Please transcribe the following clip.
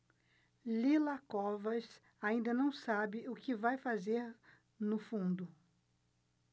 lila covas ainda não sabe o que vai fazer no fundo